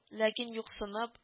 Ләкин юксынып